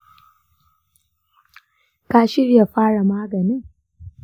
ka shirya fara maganin?